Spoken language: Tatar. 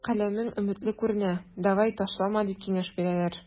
Каләмең өметле күренә, давай, ташлама, дип киңәш бирәләр.